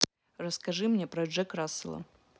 расскажи мне про джек рассела